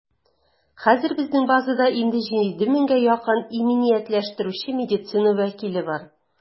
Хәзер безнең базада инде 7 меңгә якын иминиятләштерүче медицина вәкиле бар.